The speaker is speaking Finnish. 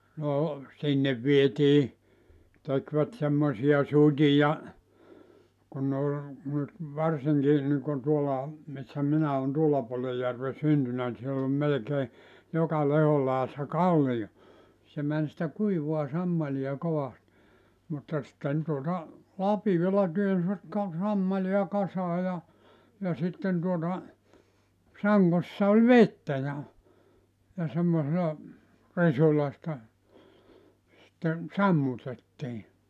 no sinne vietiin tekivät semmoisia suteja kun ne oli nyt varsinkin niin kuin tuolla missä minä olen tuolla puolen järven syntynyt niin siellä on melkein joka lehdon laidassa kallio se meni sitä kuivaa sammalia kovasti mutta sitten tuota lapiolla työnsivät - sammalia kasaan ja ja sitten tuota sangossa oli vettä ja ja semmoisella risulla sitä sitten sammutettiin